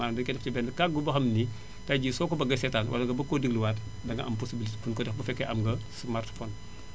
maanaam daénu koy def ci benn kàggu boo xam ne nii tay jii soo ko bëggee seetaan wala nga bëgg koo dégluwaat danga am possiblité fi nga ko def bu fekkee am nga smartphone